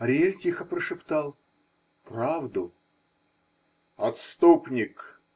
Ариэль тихо прошептал: -- Правду. -- Отступник!